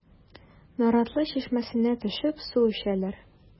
Наратлы чишмәсенә төшеп су эчәләр.